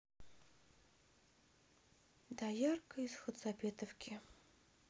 доярка из хацапетовки